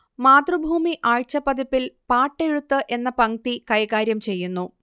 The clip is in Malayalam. മാതൃഭൂമി ആഴ്ചപ്പതിപ്പിൽ പാട്ടെഴുത്ത് എന്ന പംക്തി കൈകാര്യം ചെയ്യുന്നു